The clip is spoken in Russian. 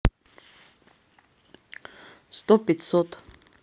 сто пятьсот